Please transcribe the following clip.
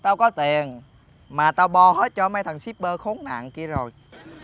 tao có tiền mà tao bo hết cho mấy thằng síp bơ khốn nạn kia rồi